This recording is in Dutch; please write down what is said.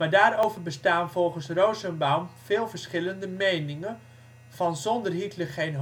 daarover bestaan volgens Rosenbaum veel verschillende meningen, van ' zonder Hitler geen Holocaust